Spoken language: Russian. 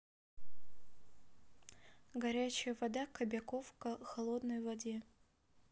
горячая вода кобяков холодной воде